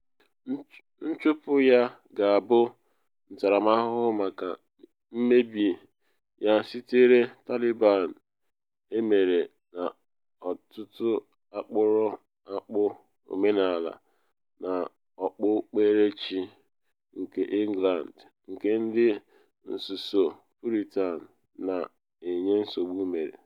Nchụpụ ya ga-abụ ntaramahụhụ maka mmebi ya yitere Taliban emere n’ọtụtụ akpụrụakpụ omenala na okpukperechi nke England, nke ndị nsuso Puritan na enye nsogbu mere.